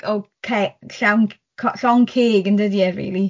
o ce- llawn c- co- llon' ceg, yndydi e rili?